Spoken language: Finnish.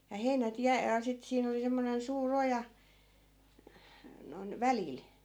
ja heinät - ja sitten siinä oli semmoinen suuri oja noin välillä